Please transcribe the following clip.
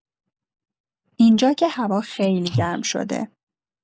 اینجا که هوا خیلی گرم شده